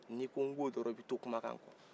n'i ko nko dɔrɔn i bɛ to i kumakan kɔ